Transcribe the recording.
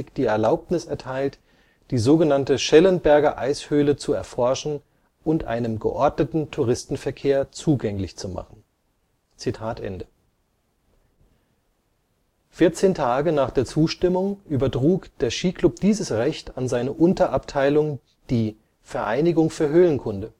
die Erlaubnis erteilt, die sog. Schellenberger Eishöhle zu erforschen und einem geordneten Touristenverkehr zugänglich zu machen “– Thomas Eder: 1925. 14 Tage nach der Zustimmung übertrug der Skiclub dieses Recht an seine Unterabteilung, die Vereinigung für Höhlenkunde